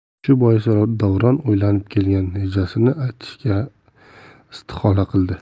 shu bois davron o'ylab kelgan rejasini aytishga istihola qildi